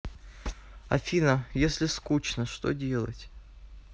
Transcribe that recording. афина если скучно что делать